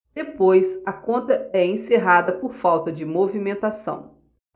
depois a conta é encerrada por falta de movimentação